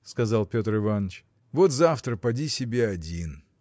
– сказал Петр Иваныч, – вот завтра поди себе один.